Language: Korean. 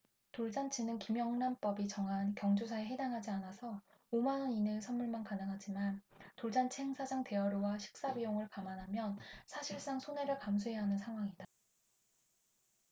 돌잔치는 김영란법이 정한 경조사에 해당하지 않아서 오 만원 이내의 선물만 가능하지만 돌잔치 행사장 대여료와 식사비용을 감안하면 사실상 손해를 감수해야 하는 상황이다